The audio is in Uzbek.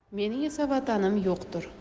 mening esa vatanim yo'qtur